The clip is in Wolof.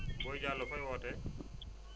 Boy Diallo fooy wootee